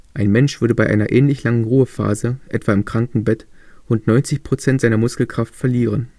Ein Mensch würde bei einer ähnlich langen Ruhephase, etwa im Krankenbett, rund 90 Prozent seiner Muskelkraft verlieren